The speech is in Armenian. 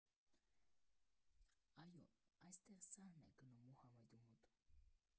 Այո, այստեղ սարն է գնում Մուհամեդի մոտ։